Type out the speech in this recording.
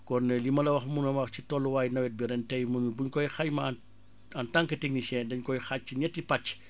kon li ma la wax mën a wax ci tolluwaayu nawet bi ren tay ma ne bu ñu koy xaymaa en tant que technicien dañ koy xaaj ci ñetti pàcc